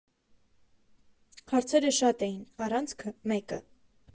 Հարցերը շատ էին, առանցքը՝ մեկը.